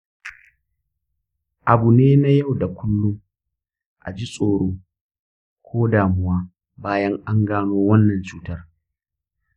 abu ne na yau da kullum a ji tsoro ko damuwa bayan an gano wannan cutar.